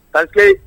Hatɛ